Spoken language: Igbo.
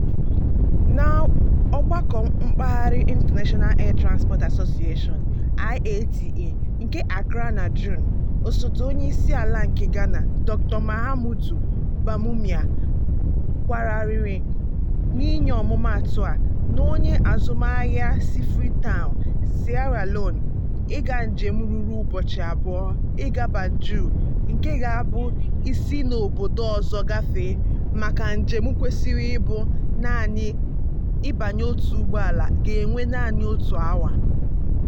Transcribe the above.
N'ọgbakọ mpaghara International Air Transport Association (IATA) nke Accra na June, osote onyeisiala nke Ghana, Dr. Mahamudu Bawumia, kwara arịrị n'inye ọmụmaatụ a, na onye azụmaahịa si Freetown [Sierra Leone] ịga njem rụrụ ụbọchị abụọ ị gá Banjul (nke ga-abụ ị sị n'obodo ọzọ gafee) maka njem kwesịrị ị bụ naanị ị banye otu ụgbọelu ga-ewe naanị otu awa."